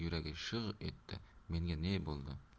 yuragi shig' etdi menga ne bo'ldi